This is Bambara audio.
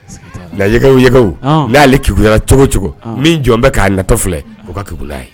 Na yɛkɛw yɛkɛw ,ɔn, n'ale kekunyala cogo o cogo min jɔn bɛ k'a natɔ filɛ o ka ka kekun n'lale ye